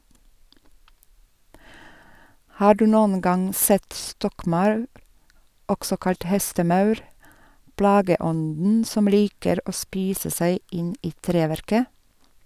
Har du noen gang sett stokkmaur, også kalt hestemaur , plageånden som liker å spise seg inn i treverket?